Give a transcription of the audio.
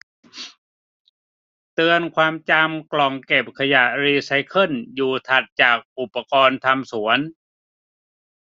เตือนความจำกล่องเก็บขยะรีไซเคิลอยู่ถัดจากอุปกรณ์ทำสวน